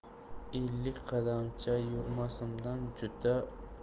ellik qadamcha yurmasimdan